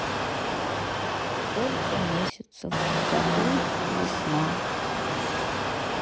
сколько месяцев в году весна